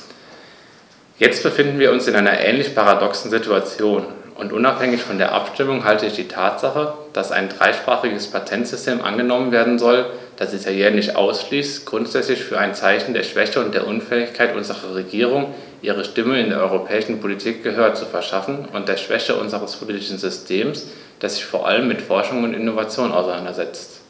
Jetzt befinden wir uns in einer ähnlich paradoxen Situation, und unabhängig von der Abstimmung halte ich die Tatsache, dass ein dreisprachiges Patentsystem angenommen werden soll, das Italienisch ausschließt, grundsätzlich für ein Zeichen der Schwäche und der Unfähigkeit unserer Regierung, ihrer Stimme in der europäischen Politik Gehör zu verschaffen, und der Schwäche unseres politischen Systems, das sich vor allem mit Forschung und Innovation auseinandersetzt.